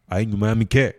A ye ɲumanya min kɛɛ